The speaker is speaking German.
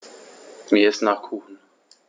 Mir ist nach Kuchen.